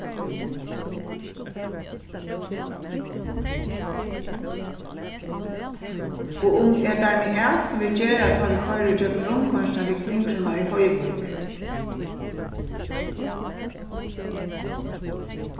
og um eg bar meg at sum vit gera tá vit koyra ígjøgnum rundkoyringina við klingruna í hoyvík